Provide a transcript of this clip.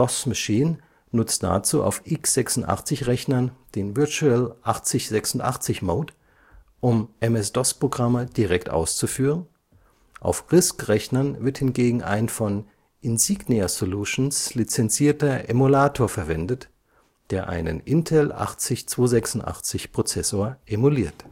DOS Machine nutzt dazu auf x86-Rechnern den Virtual 8086 Mode, um MS-DOS-Programme direkt auszuführen, auf RISC-Rechnern wird hingegen ein von Insignia Solutions lizenzierter Emulator verwendet, der einen Intel-80286-Prozessor emuliert